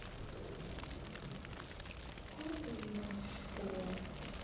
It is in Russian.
как узнать что